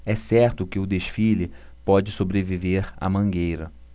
é certo que o desfile pode sobreviver à mangueira